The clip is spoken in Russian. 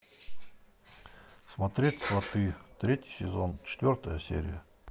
смотреть сваты третий сезон четвертая серия